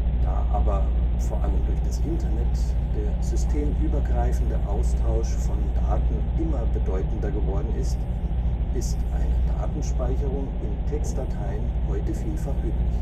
Da aber – vor allem durch das Internet – der systemübergreifende Austausch von Daten immer bedeutender geworden ist, ist eine Datenspeicherung in Textdateien heute vielfach üblich